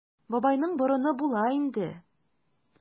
Бабайның борыны була инде.